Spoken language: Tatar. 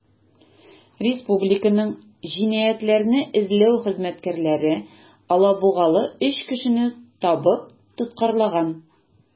Республиканың җинаятьләрне эзләү хезмәткәрләре алабугалы 3 кешене табып тоткарлаган.